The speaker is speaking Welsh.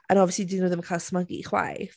and obviously 'di nhw ddim yn cael ysmygu chwaith.